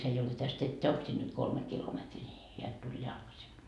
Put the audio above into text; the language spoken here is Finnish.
se ei ole tästä että onko sinne nyt kolme kilometriä niin hän tuli jalkaisin